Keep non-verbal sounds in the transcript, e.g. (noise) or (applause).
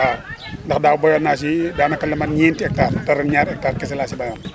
waaw (crosstalk) ndax daaw béyoon naa si daanaka lu mat ñeenti hectares te ren ñaari hectares kese laa si béyoon (crosstalk)